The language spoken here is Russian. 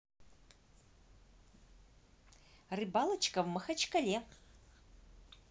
рыбалочка в махачкале